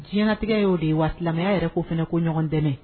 Diɲɛɲɛnatigɛ ye' de wa silamɛya yɛrɛ ko fana ko ɲɔgɔn dɛmɛ